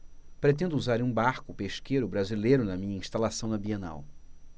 pretendo usar um barco pesqueiro brasileiro na minha instalação na bienal